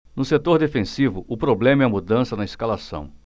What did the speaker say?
no setor defensivo o problema é a mudança na escalação